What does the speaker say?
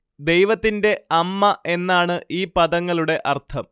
ദൈവത്തിന്റെ അമ്മ എന്നാണ് ഈ പദങ്ങളുടെ അർത്ഥം